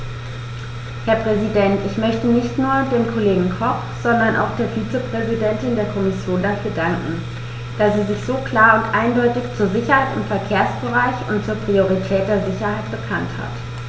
Herr Präsident, ich möchte nicht nur dem Kollegen Koch, sondern auch der Vizepräsidentin der Kommission dafür danken, dass sie sich so klar und eindeutig zur Sicherheit im Verkehrsbereich und zur Priorität der Sicherheit bekannt hat.